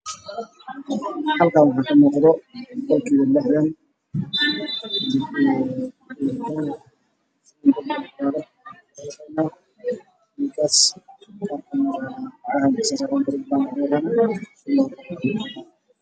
Halkaan waxaa ka muuqdo boqolkiibo lixdan